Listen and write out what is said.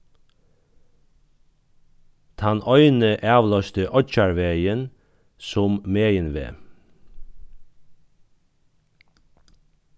tann eini avloysti oyggjarvegin sum meginveg